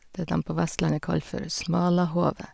Det dem på Vestlandet kaller for smalahove.